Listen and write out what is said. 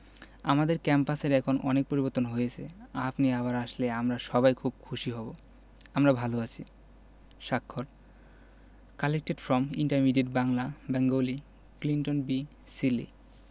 আমাদের ক্যাম্পাসের এখন অনেক পরিবর্তন হয়েছে আপনি আবার আসলে আমরা সবাই খুব খুশি হব আমরা ভালো আছি স্বাক্ষর collected from intermediate Bangla Bengali Clinton B Seely